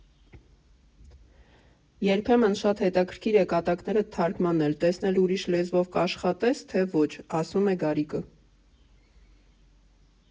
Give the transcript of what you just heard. ֊ Երբեմն շատ հետաքրքիր է կատակներդ թարգմանել, տեսնել ուրիշ լեզվով կաշխատե՞ն թե ոչ, ֊ ասում է Գարիկը։